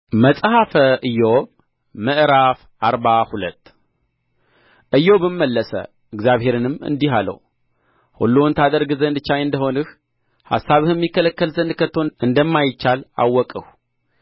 መጽሐፈ ኢዮብ ምዕራፍ አርባ ሁለት ኢዮብም መለሰ እግዚአብሔርንም እንዲህ አለው ሁሉን ታደርግ ዘንድ ቻይ እንደ ሆንህ አሳብህም ይከለከል ዘንድ ከቶ እንደማይቻል አወቅሁ